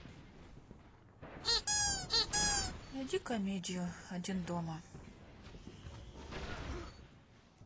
найди комедию один дома